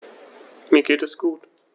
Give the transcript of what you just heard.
Mir geht es gut.